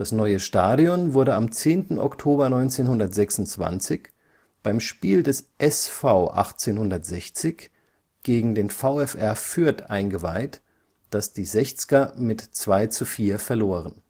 neue Stadion wurde am 10. Oktober 1926 beim Spiel des SV 1860 gegen den VfR Fürth eingeweiht, das die Sechzger mit 2:4 verloren